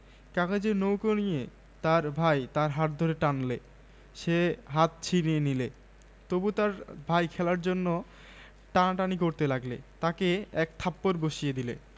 কাগজের নৌকো নিয়ে তার ভাই তার হাত ধরে টানলে সে হাত ছিনিয়ে নিলে তবু তার ভাই খেলার জন্যে টানাটানি করতে লাগলে তাকে এক থাপ্পড় বসিয়ে দিলে